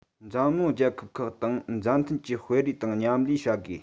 འཛམ གླིང རྒྱལ ཁབ ཁག དང མཛའ མཐུན གྱིས སྤེལ རེས དང མཉམ ལས བྱ དགོས